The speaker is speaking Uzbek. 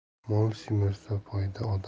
mol semirsa foyda